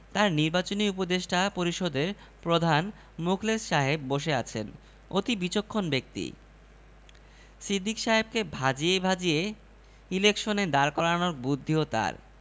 তাঁর নিবাচনী উপদেষ্টা পরিষদের প্রধান মুখলেস সাহেব বসে আছেন অতি বিচক্ষণ ব্যক্তি সিদ্দিক সাহেবকে ভাজিয়ে ভাজিয়ে ইলেকশনে দাঁড় করানোর বুদ্ধিও তাঁর